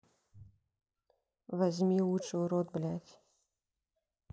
возьми лучше в рот блять